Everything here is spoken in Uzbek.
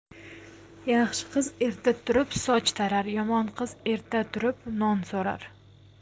yaxshi qiz erta turib soch tarar yomon qiz erta turib non so'rar